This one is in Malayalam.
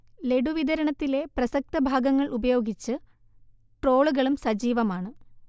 ലഡു വിതരണത്തിലെ പ്രസക്തഭാഗങ്ങൾ ഉപയോഗിച്ച് ട്രോളുകളും സജീവമാണ്